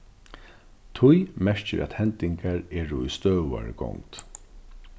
tíð merkir at hendingar eru í støðugari gongd